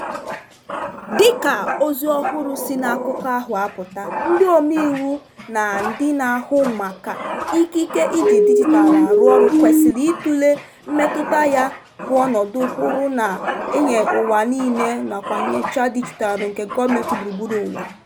Dịka ozi ọhụrụ si na akụkọ ahụ apụta, ndị omeiwu na-adị na-ahụ maka ikike iji dijitalụ arụ ọrụ kwesịrị itule mmetụta ya bụ ọnọdụ ọhụrụ na-enye n'ụwa niile nakwa nnyocha dijitalụ nke gọọmentị gburugburu ụwa.